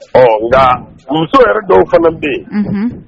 Ɔ nka muso yɛrɛ dɔw fana bɛ yen